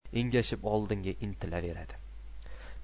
engashib oldinga intilaveradi